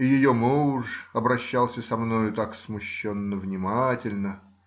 И ее муж обращался со мною так смущенно-внимательно.